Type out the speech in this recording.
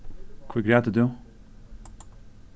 hví grætur tú